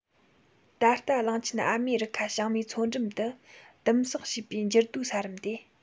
ད ལྟ གླིང ཆེན ཨ མེ རི ཁ བྱང མའི མཚོ འགྲམ དུ དིམ བསགས བྱས པའི འགྱུར རྡོའི ས རིམ དེ